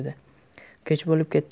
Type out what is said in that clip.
kech bo'lib ketdi